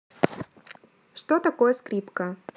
что такое скрипка